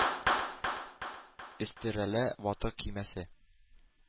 Өстерәлә ватык көймәсе.